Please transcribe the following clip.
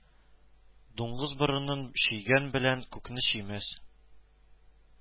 Дуңгыз борынын чөйгән белән күкне чөймәс